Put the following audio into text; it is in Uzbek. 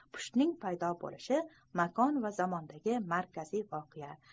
pushtning paydo bo'lishi makon va zamondagi markaziy voqea